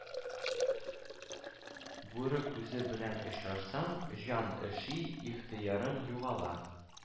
Бүре күзе белән очрашсаң, җан өши, ихтыярың югала